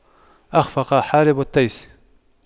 أَخْفَقَ حالب التيس